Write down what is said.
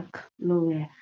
ak lu weex.